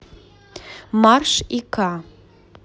марш и ка